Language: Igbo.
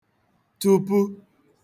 tupu